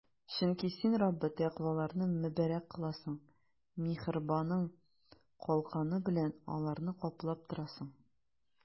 Чөнки Син, Раббы, тәкъваларны мөбарәк кыласың, миһербаның калканы белән аларны каплап торасың.